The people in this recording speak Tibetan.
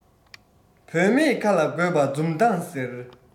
བུད མེད ཁ ལ དགོས པ འཛུམ མདངས ཟེར